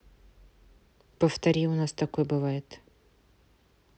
повтори у вас такое бывает